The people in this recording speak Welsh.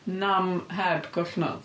Nam heb collnod?